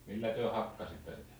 millä te hakkasitte sitä